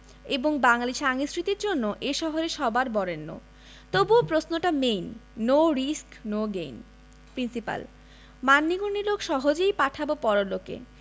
এবং বাঙালী সংস্কৃতির জন্য এ শহরে সবার বরেণ্য তবুও প্রশ্নটা main no risk no gain principle মান্যিগন্যি লোক সহজেই পাঠাবো পরলোকে